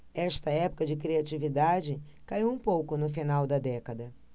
esta época de criatividade caiu um pouco no final da década